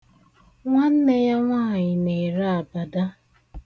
Nwanne ya nwaanyị na-ere abada.